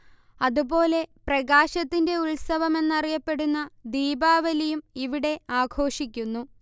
അതു പോലെ പ്രകാശത്തിന്റെ ഉത്സവം എന്നറിയപ്പെടുന്ന ദീപാവലിയും ഇവിടെ ആഘോഷിക്കുന്നു